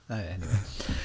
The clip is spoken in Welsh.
O, eniwe .